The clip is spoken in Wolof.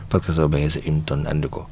par saison soo bëjee sa une tonne andi ko